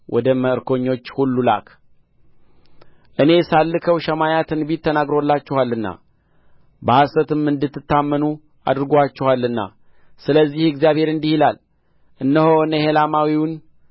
ወደ ምርኮኞች ሁሉ ላክ እኔ ሳልልከው ሸማያ ትንቢት ተናግሮላችኋልና በሐሰትም እንድትታመኑ አድርጎአችኋልና ስለዚህ እግዚአብሔር እንዲህ ይላል እነሆ ኔሔላማዊውን